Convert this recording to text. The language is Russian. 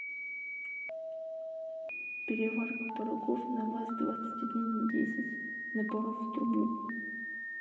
переварка порогов на ваз двадцать один десять напоров трубу